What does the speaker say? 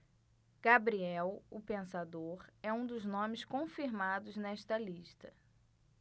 gabriel o pensador é um dos nomes confirmados nesta lista